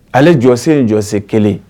Ale jɔse ye jɔse kelen